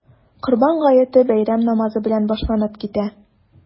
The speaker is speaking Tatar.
Корбан гаете бәйрәм намазы белән башланып китә.